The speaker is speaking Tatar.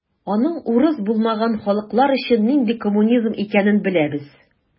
Аның урыс булмаган халыклар өчен нинди коммунизм икәнен беләбез.